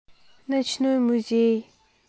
ночной музей